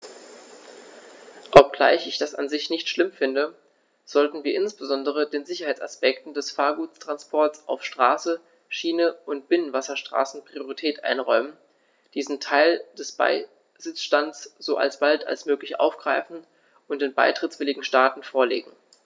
Obgleich ich das an sich nicht schlimm finde, sollten wir insbesondere den Sicherheitsaspekten des Gefahrguttransports auf Straße, Schiene und Binnenwasserstraßen Priorität einräumen, diesen Teil des Besitzstands so bald als möglich aufgreifen und den beitrittswilligen Staaten vorlegen.